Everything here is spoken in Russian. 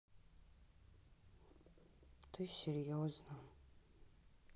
ты серьезно